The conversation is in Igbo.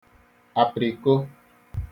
apịriko